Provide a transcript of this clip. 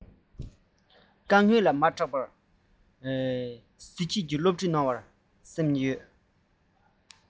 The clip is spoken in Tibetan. མ བཟོད ངལ བའི འཁུན སྒྲ མི སྒྲོག པ དཀའ བ གཟི བརྗིད སློབ ཁྲིད སྤོབས པར སེམས